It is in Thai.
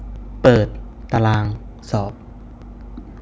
เปิดตารางสอบ